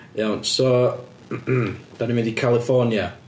Iawn so dan ni'n mynd i California.